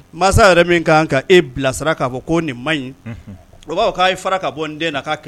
Mansa yɛrɛ min ka kan ka e bilasira k' fɔ ko nin ma ɲi' fara ka bɔ n den na k' kɛ